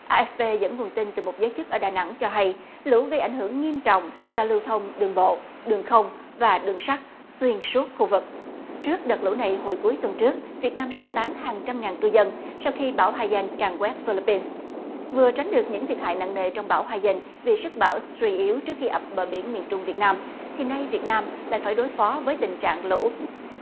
a ép pê dẫn nguồn tin từ một giới chức ở đà nẵng cho hay lũ gây ảnh hưởng nghiêm trọng cho lưu thông đường bộ đường không và đường sắt xuyên suốt khu vực trước đợt lũ này hồi cuối tuần trước việt nam sơ tán hàng trăm ngàn cư dân sau khi bão hai dan càn quét phi líp pin vừa tránh được những thiệt hại nặng nề trong bão hai dan vì sức bão suy yếu trước khi bờ biển miền trung việt nam thì nay việt nam lại phải đối phó với tình trạng lỗ